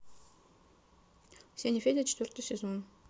сеня федя четвертый сезон